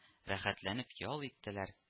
Рәхәтләнеп ял иттеләр